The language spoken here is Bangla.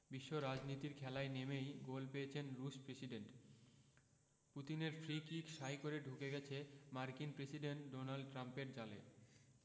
বিশ্ব রাজনীতির খেলায় নেমেই গোল পেয়েছেন রুশ প্রেসিডেন্ট পুতিনের ফ্রি কিক শাঁই করে ঢুকে গেছে মার্কিন প্রেসিডেন্ট ডোনাল্ড ট্রাম্পের জালে